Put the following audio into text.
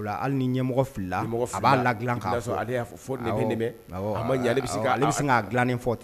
Hali ni ɲɛmɔgɔ fila mɔgɔ la dila ale bɛ ma bɛ se k' dilanen fɔ ten